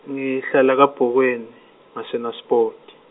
ngihlala Kabokweni, ngaseNaspoti.